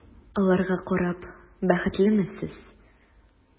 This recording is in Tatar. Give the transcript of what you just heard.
Аларга карап бәхетлеме сез?